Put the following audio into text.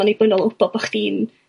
annibynnol gwbo bo' chdi'n